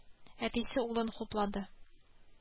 Әтисе улын хуплады